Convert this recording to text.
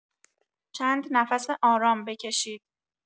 چند نفس آرام بکشید.